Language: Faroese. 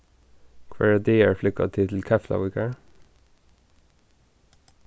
hvørjar dagar flúgva tit til keflavíkar